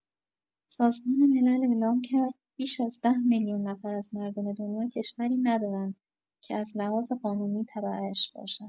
سازمان ملل اعلام کرد بیش از ۱۰ میلیون نفر از مردم دنیا کشوری ندارند که از لحاظ قانونی تبعه‌اش باشند.